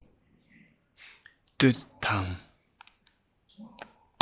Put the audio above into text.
གཏོད དང